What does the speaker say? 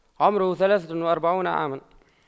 عمره ثلاثة وأربعون عاما